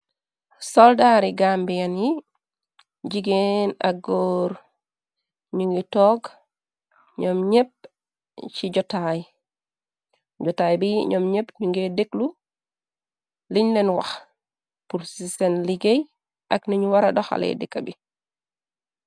soldaar ri gambien yi jigéen ak góor ñu ngi togg ñom ñépp ci jotaay bi ñoom ñépp ñu ngey dëkklu liñ leen wax pur ci seen liggéey ak nañu wara doxale dekka bi.